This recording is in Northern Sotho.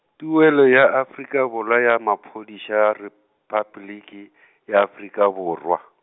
Tuwelo ya Afrika Borwa ya Maphodisa ya Repabliki , ya Afrika Borwa.